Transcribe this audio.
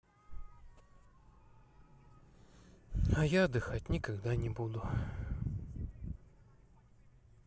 а я отдыхать никогда не буду